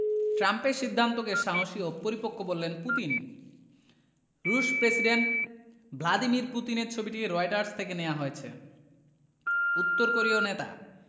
ট্রাম্পের সিদ্ধান্তকে সাহসী ও পরিপক্ব বললেন পুতিন রুশ প্রেসিডেন্ট ভ্লাদিমির পুতিনের ছবিটি রয়টার্স থেকে নেয়া হয়েছে উত্তর কোরীয় নেতা